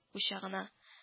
Учагына